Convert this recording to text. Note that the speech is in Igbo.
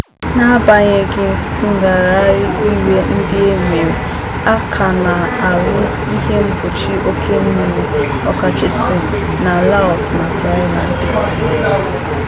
Na-agbanyeghị ngagharị iwe ndị e mere, a ka na-arụ ihe mgbochi oke mmiri, ọkachasị na Laos na Thailand.